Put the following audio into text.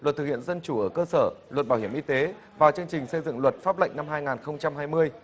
luật thực hiện dân chủ ở cơ sở luật bảo hiểm y tế vào chương trình xây dựng luật pháp lệnh năm hai ngàn không trăm hai mươi